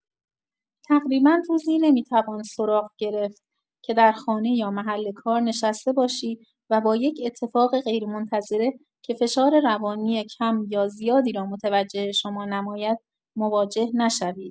تقریبا روزی نمی‌توان سراغ گرفت که در خانه یا محل کار نشسته باشی و با یک اتفاق غیرمنتظره که فشار روانی کم یا زیادی را متوجه شما نماید، مواجه نشوید.